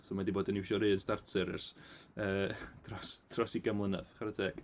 So mae 'di bod yn iwsio'r un starter ers yy dros dros ugain mlynedd, chwarae teg.